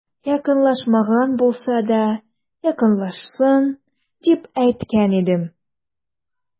Якынлашмаган булса да, якынлашсын, дип әйткән идем.